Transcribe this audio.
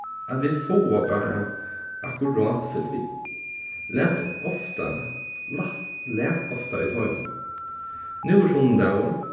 at vit fáa bara akkurát fylgt við læt ofta lætt læt ofta í teimum nú er sunnudagur